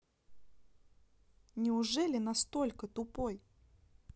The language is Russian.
неужели настолько тупой